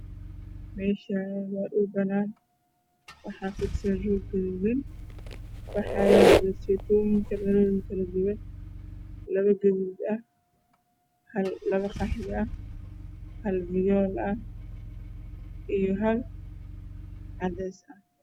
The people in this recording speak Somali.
Meeshan waa dhul banan fidsan roog gududan waxaa yaalo salido kle duwan